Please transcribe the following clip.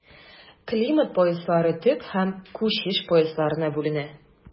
Климат пояслары төп һәм күчеш поясларына бүленә.